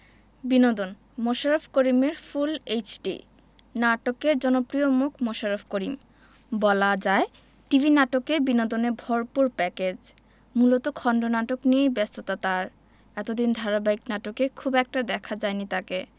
বিনোদন মোশাররফ করিমের full HD নাটকের জনপ্রিয় মুখ মোশাররফ করিম বলা যায় টিভি নাটকে বিনোদনে ভরপুর প্যাকেজ মূলত খণ্ডনাটক নিয়েই ব্যস্ততা তার এতদিন ধারাবাহিক নাটকে খুব একটা দেখা যায়নি তাকে